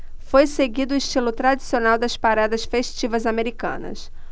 foi seguido o estilo tradicional das paradas festivas americanas